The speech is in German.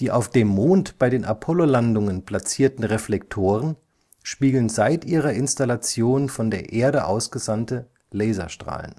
auf dem Mond bei den Apollolandungen platzierten Reflektoren spiegeln seit ihrer Installation von der Erde ausgesandte Laserstrahlen